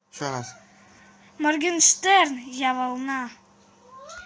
morgenshtern я волна